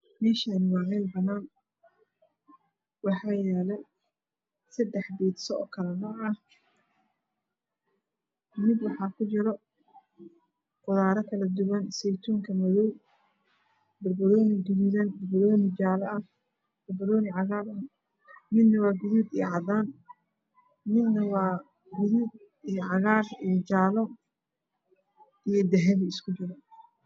Meeshaani waa meel banaan waxaa yaalo sadex biizo kala nooc ah mid waxaa ku jiro qudaaro kala duwan saytuunka madow banbanooni gaduudan banbanooni jaale ah banbanooni cagaar ah midna waa gaduud iyo cadaan midna waa guduud iyo cagaar iyo jaale iyo dahabi isku jiro